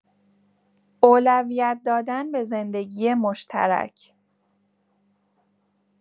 اولویت دادن به زندگی مشترک